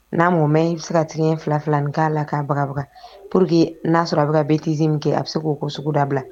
N'a mɔgɔ mɛ i bɛ se ka tigi fila fila nin k'a la ka bababagabaga pur que n'a sɔrɔ a bɛ bɛka ka beretii min kɛ a bɛ se k'o ko sugu dabila